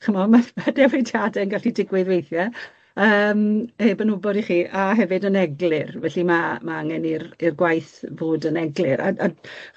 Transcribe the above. Ch'mo' ma' ma' newidiade'n gallu digwydd weithie yym 'eb yn wbod i chi, a hefyd yn eglur, felly ma' ma' angen i'r i'r gwaith fod yn eglur ag a